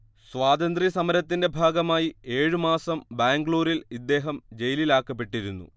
സ്വാതന്ത്ര സമരത്തിന്റെ ഭാഗമായി ഏഴുമാസം ബാംഗ്ലൂരിൽ ഇദ്ദേഹം ജയിലിലാക്കപ്പെട്ടിരുന്നു